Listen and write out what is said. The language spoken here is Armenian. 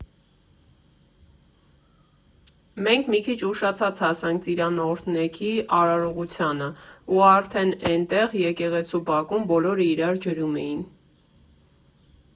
Մենք մի քիչ ուշացած հասանք ծիրանօրհնեքի արարողությանը, ու արդեն էնտեղ՝ եկեղեցու բակում, բոլորը իրար ջրում էին։